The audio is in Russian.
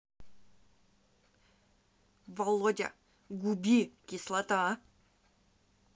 володя губи кислота